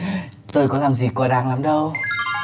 tôi có làm gì quá đáng lắm đâu